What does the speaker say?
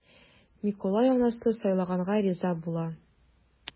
Микулай анасы сайлаганга риза була.